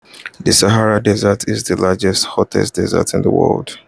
The Sahara Desert is the largest hot desert in the world.